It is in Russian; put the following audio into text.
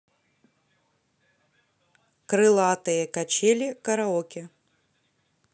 крылатые качели караоке